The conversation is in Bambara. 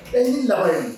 E' laban ye